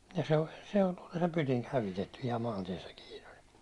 ja se on se on se tuolta pytinki hävitetty ihan maantiessä kiinni oli